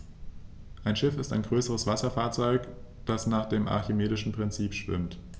Ein Schiff ist ein größeres Wasserfahrzeug, das nach dem archimedischen Prinzip schwimmt.